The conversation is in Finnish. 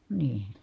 niin